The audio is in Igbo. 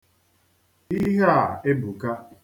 Ihe a ebuka.